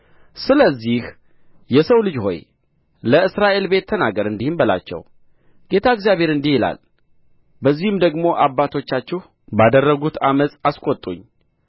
ስለዚህ የሰው ልጅ ሆይ ለእስራኤል ቤት ተናገር እንዲህም በላቸው ጌታ እግዚአብሔር እንዲህ ይላል በዚህም ደግሞ አባቶቻችሁ ባደረጉት ዓመፅ አስቈጡኝ